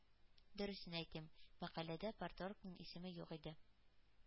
Дөресен әйтим, мәкаләдә парторгның исеме юк иде.